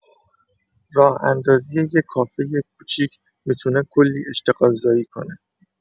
راه‌اندازی یه کافه کوچیک می‌تونه کلی اشتغالزایی کنه.